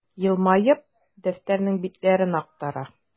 Елмаеп, дәфтәрнең битләрен актара.